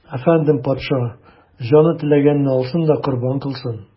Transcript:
Әфәндем, патша, җаны теләгәнне алсын да корбан кылсын.